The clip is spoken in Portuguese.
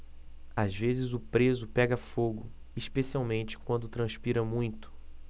às vezes o preso pega fogo especialmente quando transpira muito